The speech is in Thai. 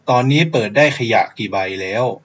ตอนนี้เปิดได้ขยะกี่ใบแล้ว